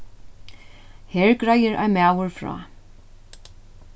her greiðir ein maður frá